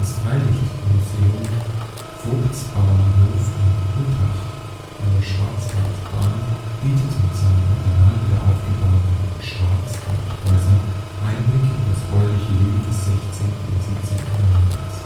Freilichtmuseum Vogtsbauernhof in Gutach an der Schwarzwaldbahn bietet mit seinen original wiederaufgebauten Schwarzwaldhäusern Einblicke in das bäuerliche Leben des 16. und 17. Jahrhunderts